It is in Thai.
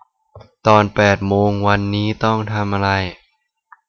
ตอนแปดโมงวันนี้ต้องทำอะไร